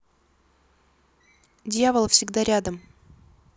дьявол всегда рядом